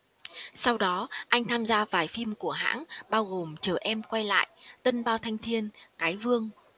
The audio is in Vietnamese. sau đó anh tham gia vài phim của hãng bao gồm chờ em quay lại tân bao thanh thiên cái vương